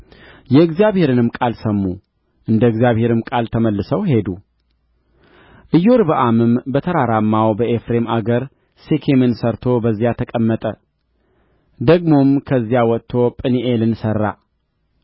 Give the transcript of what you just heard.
የእግዚአብሔርንም ቃል ሰሙ እንደ እግዚአብሔርም ቃል ተመልሰው ሄዱ ኢዮርብዓምም በተራራማው በኤፍሬም አገር ሴኬምን ሠርቶ በዚያ ተቀመጠ ደግሞም ከዚያ ወጥቶ ጵኒኤልን ሠራ